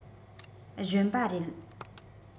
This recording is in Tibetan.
གཞོན པ རེད